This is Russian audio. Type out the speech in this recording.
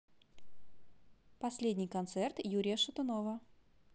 последний концерт юрия шатунова